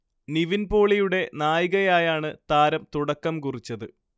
നിവിൻ പോളിയുടെ നായികയായാണ് താരം തുടക്കം കുറിച്ചത്